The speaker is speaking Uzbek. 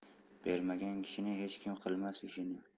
bermagan kishini hech kim qilmas ishini